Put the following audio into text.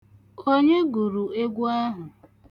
Onye gụrụ egwu ahụ?